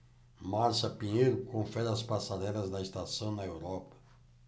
márcia pinheiro confere as passarelas da estação na europa